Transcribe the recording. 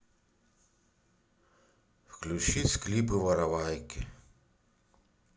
включить клипы воровайки